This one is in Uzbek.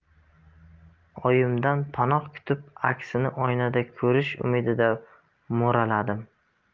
oyimdan panoh kutib aksini oynada ko'rish umidida mo'raladim